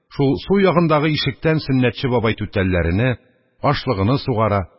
Шул су ягындагы ишектән Сөннәтче бабай түтәлләрене, ашлыгыны сугара,